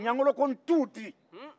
ɲangolo ko ntu di